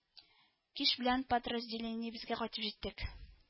Кич белән подразделениебезгә кайтып җиттек